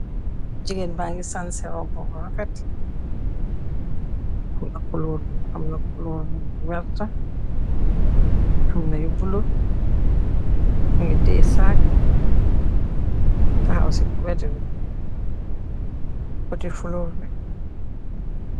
Gigeen ba ngi sanseh robu bu rafet , am kulor bu werta am na yu bula , mugeh teyeh sagg, taxaw ci weti potti fulor bi.